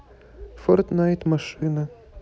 фортнайт машина